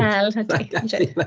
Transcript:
Wel, 'na ti